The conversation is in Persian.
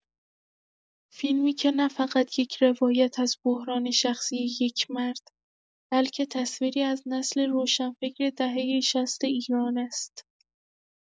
فیلمی که نه‌فقط یک روایت از بحران شخصی یک مرد، بلکه تصویری از نسل روشنفکر دهۀ شصت ایران است؛